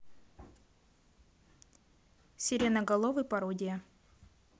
сиреноголовый пародия